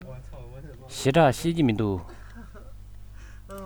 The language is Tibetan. ཞེ དྲགས ཤེས ཀྱི མི འདུག